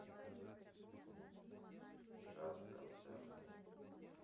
джаз концерты